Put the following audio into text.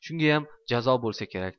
shungayam jazo kerak bo'lsa